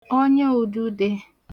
ọnyaùdudē